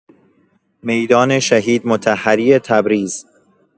میدان شهید مطهری تبریز